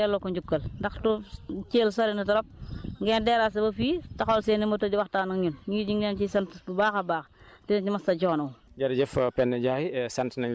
man it maa ngi koy delloo cant gi rek delloo ko njukkal ndax Thiel sori na trop ngeen déranger wu ba fii taxawal seen i moto di waxtaan ak ñun ñun it ñu ngi leen siy sant bu baax a baax di leen si masawu coono wu